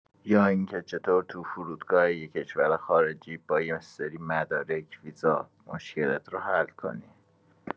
یا اینکه چطور تو فرودگاه یه کشور خارجی، با یه سری مدارک ویزا مشکلت رو حل کنی.